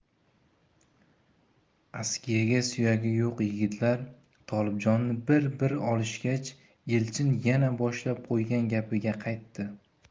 askiyaga suyagi yo'q yigitlar tolibjonni bir bir olishgach elchin yana boshlab qo'ygan gapiga qaytdi